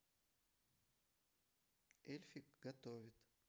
эльфик готовит